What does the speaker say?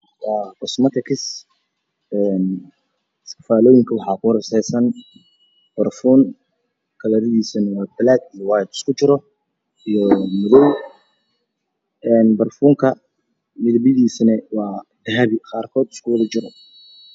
Kosmatikis falaloyinka waxaa kurasaysan barfuun kalaradiisa madaw iyo cadaaan isku jiro ee barfuunka midabkiisu waa dahabi qarkod isku jiro